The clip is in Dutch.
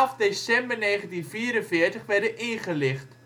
december 1944 werden ingelicht